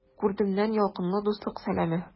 Күрдемнән ялкынлы дуслык сәламе!